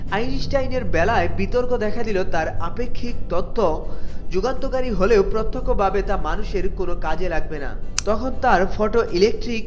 আইনস্টাইনের বেলায় বিতর্ক দেখা দিল তার আপেক্ষিক তত্ত্ব যুগান্তকারী হলেও প্রত্যক্ষভাবে মানুষের কোন কাজে লাগবে না তখন তার ফটো ইলেকট্রিক